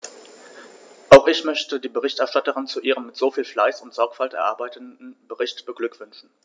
Auch ich möchte die Berichterstatterin zu ihrem mit so viel Fleiß und Sorgfalt erarbeiteten Bericht beglückwünschen.